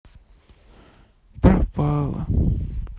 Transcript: пропала